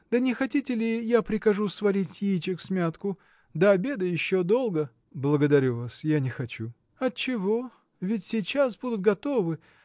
да не хотите ли, я прикажу сварить яичек всмятку? до обеда еще долго. – Благодарю вас; я не хочу. – Отчего? ведь сейчас будут готовы